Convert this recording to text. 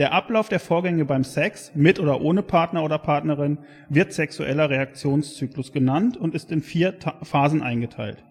Ablauf der Vorgänge beim Sex - mit oder ohne Partner oder Partnerin - wird sexueller Reaktionszyklus genannt und in vier Phasen eingeteilt